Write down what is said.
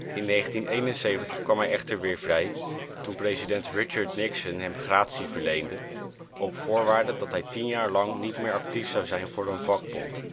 In 1971 kwam hij echter weer vrij toen president Richard Nixon hem gratie verleende op voorwaarde dat hij tien jaar lang niet meer actief zou zijn voor een vakbond